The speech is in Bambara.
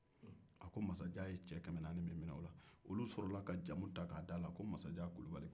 a ko masajan ye cɛ kɛmɛnaani min minɛ u la oluw sɔrɔla ka jamu ta ka di a la ko masajan kulubali